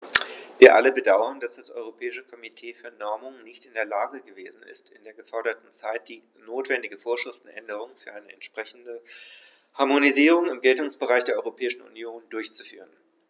Wir alle bedauern, dass das Europäische Komitee für Normung nicht in der Lage gewesen ist, in der geforderten Zeit die notwendige Vorschriftenänderung für eine entsprechende Harmonisierung im Geltungsbereich der Europäischen Union durchzuführen.